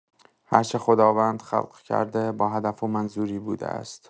هرچه خداوند خلق کرده، با هدف و منظوری بوده است.